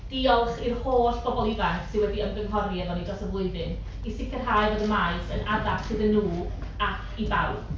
Diolch i'r holl bobl ifanc sy wedi ymgynghori efo ni dros y flwyddyn i sicrhau bod y maes yn addas iddyn nhw ac i bawb.